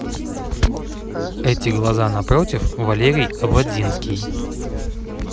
эти глаза напротив валерий ободзинский